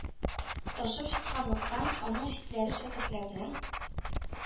Ташып чыкканлыктан, аның читләре шәкертләрнең